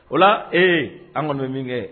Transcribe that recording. O ee an kɔni min kɛ